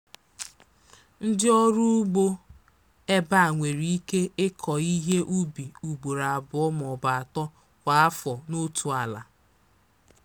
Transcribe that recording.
Ndị ọrụ ugbo ebe a nwere ike ịkọ ihe ubi ugboro abụọ maọbụ atọ kwa afọ n'otu ala.